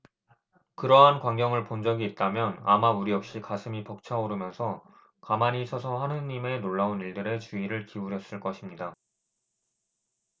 그러한 광경을 본 적이 있다면 아마 우리 역시 가슴이 벅차오르면서 가만히 서서 하느님의 놀라운 일들에 주의를 기울였을 것입니다